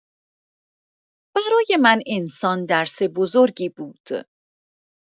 برای من انسان درس بزرگی بود.